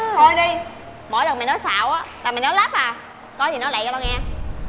thôi đi mỗi lần mày nói xạo á là mày nói lắp à có gì nói lẹ cho tao nghe